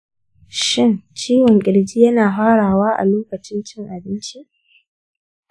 shin, ciwon ƙirji yana farawa a lokacin cin abinci?